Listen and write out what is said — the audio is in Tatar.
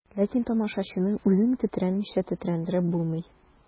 Ләкин тамашачыны үзең тетрәнмичә тетрәндереп булмый.